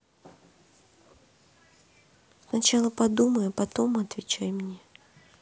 сначала подумай потом отвечай мне